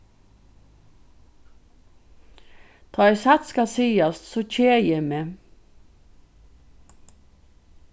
tá ið satt skal sigast so keði eg meg